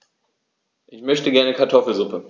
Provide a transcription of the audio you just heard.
Ich möchte gerne Kartoffelsuppe.